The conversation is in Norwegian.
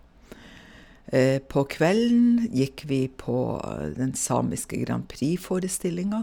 På kvelden gikk vi på den samiske Grand Prix-forestillinga.